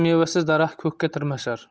mevasiz daraxt ko'kka tirmashar